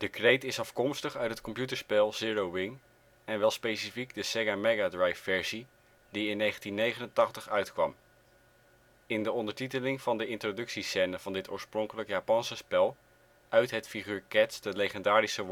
kreet is afkomstig uit het computerspel Zero Wing en wel specifiek de Sega Mega Drive-versie die in 1989 uit kwam. In de ondertiteling van de introductiescène van dit oorspronkelijk Japanse spel uit het figuur Cats de legendarische